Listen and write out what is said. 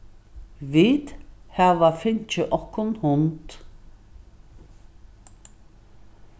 vit hava fingið okkum hund